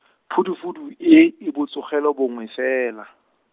phudufudu e, e botsogelo bongwe fela.